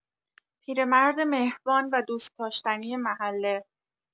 پیرمرد مهربان و دوست‌داشتنی محله